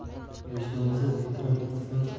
vijdonsiz yo'qol iflos